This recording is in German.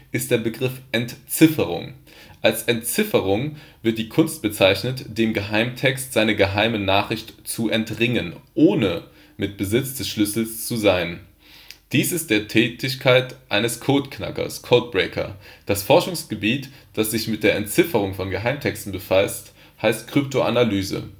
ist der Begriff „ Entzifferung “. Als Entzifferung wird die Kunst bezeichnet, dem Geheimtext seine geheime Nachricht zu entringen, ohne im Besitz des Schlüssels zu sein. Dies ist die Tätigkeit eines „ Codeknackers “(engl.: codebreaker). Das Forschungsgebiet, das sich mit der Entzifferung von Geheimtexten befasst, heißt Kryptoanalyse